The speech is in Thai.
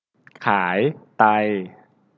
ขายไต